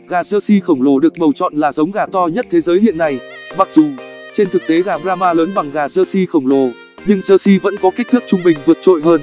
gà jersey khổng lồ được bầu chọn là giống gà to nhất thế giới hiện nay mặc dù trên thực tế gà brahma lớn bằng gà jersey khổng lồ nhưng jersey vẫn có kích thước trung bình vượt trội hơn